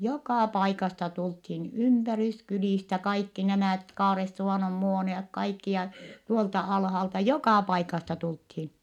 joka paikasta tultiin ympäryskylistä kaikki nämä Kaaresuvannon Muoniot kaikki ja tuolta alhaalta joka paikasta tultiin